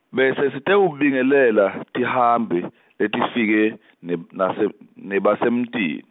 Besitewubingelela tihambi, letifike neb- nase nebasemtini.